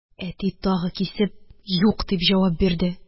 Әти тагы, кисеп: – Юк! – дип җавап бирде.